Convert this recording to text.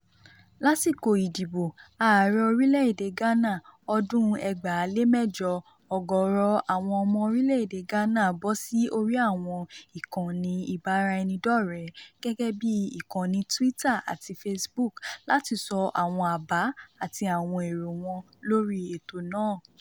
Lásìkò ìdìbò Ààrẹ orílẹ̀-èdè Ghana ọdún 2008,ọ̀gọ̀ọ̀rọ̀ àwọn ọmọ orílẹ̀ èdè Ghana bọ́ sí orí àwọn ìkànnì ìbáraẹnidọ́rẹ̀ẹ́ gẹ́gẹ́ bí ìkànnì Twitter àti Facebook láti sọ àwọn àbá àti àwọn èrò wọn lórí ètò náà.